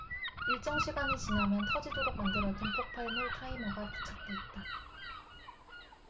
일정 시간이 지나면 터지도록 만들어진 폭발물 타이머가 부착돼 있다